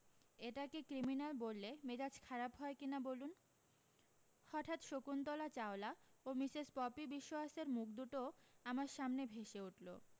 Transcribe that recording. এটাকে ক্রিমিন্যাল বললে মেজাজ খারাপ হয় কিনা বলুন হঠাত শকুন্তলা চাওলা ও মিসেস পপি বিশোয়াসের মুখ দুটোও আমার সামনে ভেষে উঠলো